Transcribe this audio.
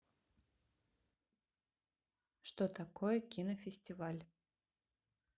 что такое кино фестиваль